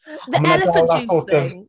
The elephant juice thing.